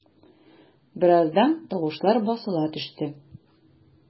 Бераздан тавышлар басыла төште.